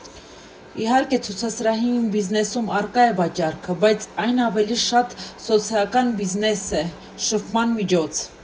Իհարկե, ցուցասրահի բիզնեսում առկա է վաճառքը, բայց այն ավելի շատ սոցիալական բիզնես է՝ շփման միջոց։